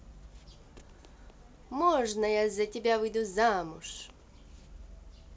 можно я за тебя выйду замуж